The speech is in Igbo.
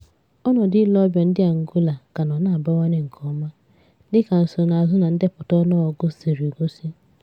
Ọnọdụ ịle ọbịa ndị Angola ka nọ na-abawanye nkeọma, dịka nsonazụ na ndepụta ọnụọgụgụ siri egosi.